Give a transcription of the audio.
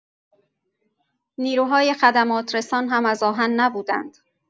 نیروهای خدمات‌رسان هم از آهن نبودند.